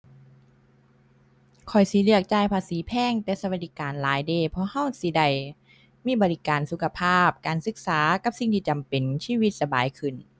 ข้อยสิเลือกจ่ายภาษีแพงแต่สวัสดิการหลายเดะ เพราะเราสิได้มีบริการสุขภาพ การศึกษา กับสิ่งที่จำเป็น ชีวิตสบายขึ้น